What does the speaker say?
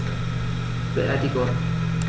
Beerdigung